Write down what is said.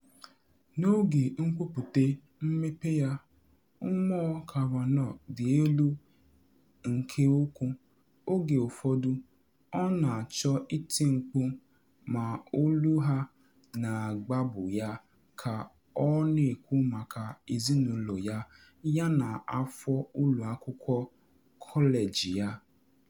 N’oge nkwupute mmepe ya, mmụọ Kavanaugh di elu nke ukwuu, oge ụfọdụ ọ na achọ iti mkpu ma olu a na agbagbu ya ka ọ na ekwu maka ezinụlọ ya yana afọ ụlọ akwụkwọ kọleji ya.